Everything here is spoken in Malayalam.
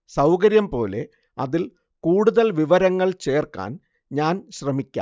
സൗകര്യം പോലെ അതിൽ കൂടുതൽ വിവരങ്ങൾ ചേർക്കാൻ ഞാൻ ശ്രമിക്കാം